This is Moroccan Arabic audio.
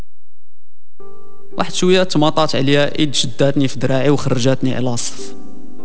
احكي وياك ما في داعي وخر جاتني الوصف